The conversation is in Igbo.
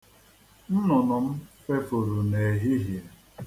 Nnụnụ m fefuru n'ehihie.